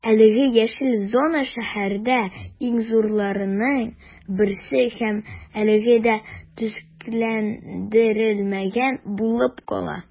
Әлеге яшел зона шәһәрдә иң зурларының берсе һәм әлегә дә төзекләндерелмәгән булып кала.